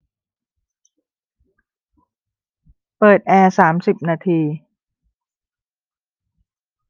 เปิดแอร์สามสิบนาที